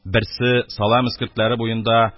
Берсе салам эскертләре буенда